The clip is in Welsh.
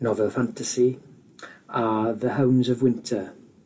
nofel ffantasi a The Hounds of Winter